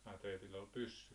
ai teillä oli pyssy